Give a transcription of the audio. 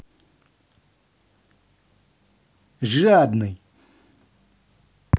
жадный